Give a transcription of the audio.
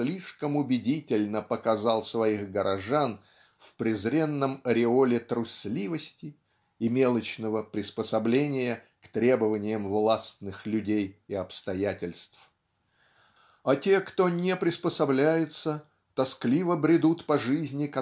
слишком убедительно показал своих горожан в презренном ореоле трусливости и мелочного приспособления к требованиям властных людей и обстоятельств. А те кто не приспособляется тоскливо бредут по жизни